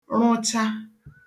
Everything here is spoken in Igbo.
rụcha